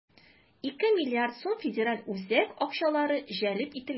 2 млрд сум федераль үзәк акчалары җәлеп ителгән.